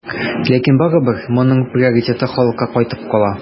Ләкин барыбер моның приоритеты халыкка кайтып кала.